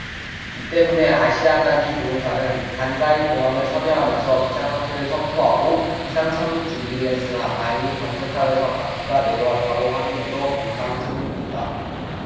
이 때문에 아시아나기 조종사는 간사이공항을 선회하면서 비상사태를 선포하고 비상착륙 준비를 했으나 다행히 관제탑에서 바퀴가 내려왔다고 확인해 줘 정상 착륙했다